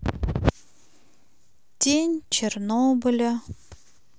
тень чернобыля